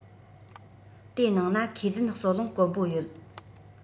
དེའི ནང ན ཁས ལེན གསོ རླུང དཀོན པོ ཡོད